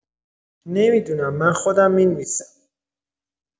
نمی‌دونم من خودم می‌نویسم!